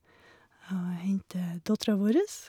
Og henter dattera vårres.